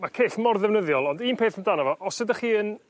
ma' cyll mor ddefnyddiol ond un peth amdano fo os ydach chi yn